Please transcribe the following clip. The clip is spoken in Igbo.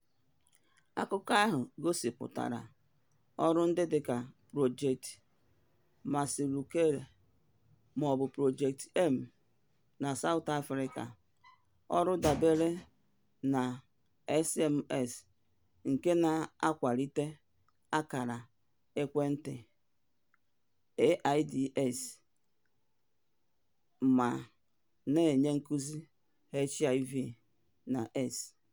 Akụkọ ahụ gosịpụtara ọrụ ndị dịka Project Masiluleke (maọbụ Project M) na South Africa, ọrụ dabere na SMS nke na-akwalite akara ekwentị AIDS ma na-enye nkụzi HIV/AIDS.